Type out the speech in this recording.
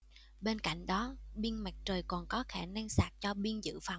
bên cạnh đó pin mặt trời còn có khả năng sạc cho pin dự phòng